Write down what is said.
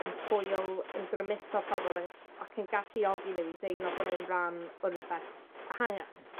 yn hwyl, yn grymuso pobol yn ac yn galluogi nw i deimlo bo' nw'n ran o rwbeth ehangach.